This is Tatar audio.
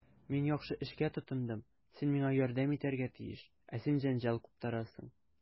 Мин яхшы эшкә тотындым, син миңа ярдәм итәргә тиеш, ә син җәнҗал куптарасың.